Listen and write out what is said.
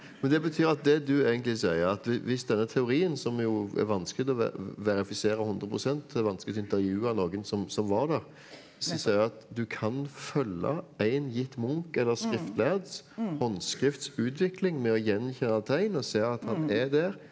men det betyr at det du egentlig sier at hvis denne teorien som jo er vanskelig å verifisere 100% det er vanskelig å intervjue noen som som var der så sier at du kan følge en gitt munk eller skriftlærds håndskriftsutvikling ved å gjenkjenne tegn og se at han er der.